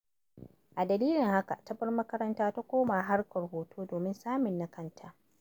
A dalilin haka, ta bar makaranta ta koma harkar hoto domin samun na kanta.